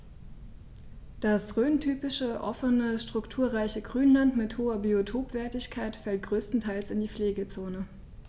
Das rhöntypische offene, strukturreiche Grünland mit hoher Biotopwertigkeit fällt größtenteils in die Pflegezone.